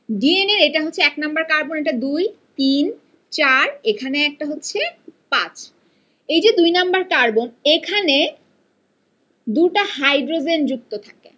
DNA এটা হচ্ছে এক নাম্বার কার্বন এটা ২ ৩ ৪ এখানে একটা হচ্ছে ৫ এই যে ২ নাম্বার কার্বন এখানে দুটা হাইড্রোজেন যুক্ত থাকে